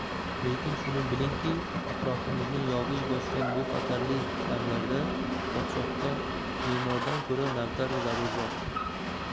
lekin shuni bilingki atrofimizni yog'iy bosgan bu xatarli damlarda podshohga memordan ko'ra navkar zarurroq